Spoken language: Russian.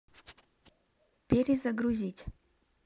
перезагрузить